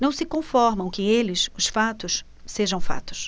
não se conformam que eles os fatos sejam fatos